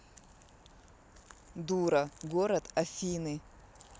дура город афины